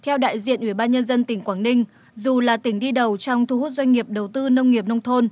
theo đại diện ủy ban nhân dân tỉnh quảng ninh dù là tỉnh đi đầu trong thu hút doanh nghiệp đầu tư nông nghiệp nông thôn